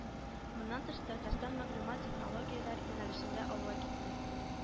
Моннан тыш Татарстан мәгълүмати технологияләр юнәлешендә алга китте